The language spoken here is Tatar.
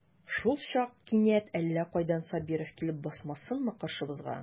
Шулчак кинәт әллә кайдан Сабиров килеп басмасынмы каршыбызга.